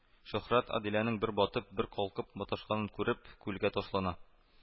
Шөһрәт Гадиләнең бер батып, бер калкып маташканын күреп, күлгә ташлана